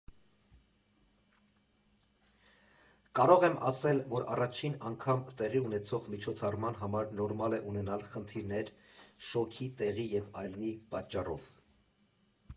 Կարող եմ ասել, որ առաջին անգամ տեղի ունեցող միջոցառման համար նորմալ է ունենալ խնդիրներ՝ շոգի, տեղի և այլնի պատճառով։